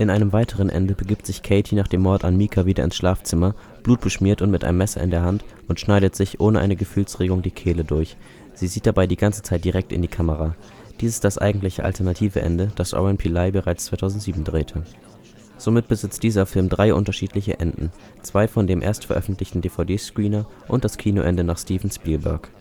einem weiteren Ende begibt sich Katie nach dem Mord an Micah wieder ins Schlafzimmer, blutbeschmiert, mit einem Messer in der Hand und schneidet sich, ohne eine Gefühlsregung, die Kehle durch. Sie sieht dabei die ganze Zeit direkt in die Kamera. Dies ist das eigentliche alternative Ende, das Oren Peli bereits 2007 drehte. Somit besitzt dieser Film drei unterschiedliche Enden. Zwei von dem erstveröffentlichten DVD-Screener und das Kinoende nach Steven Spielberg